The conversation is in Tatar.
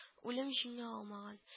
Үлем җиңә алмаган